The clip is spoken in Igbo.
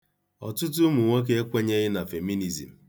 Ọtụtụ ụmụnwoke ekwenyeghị na feminizm.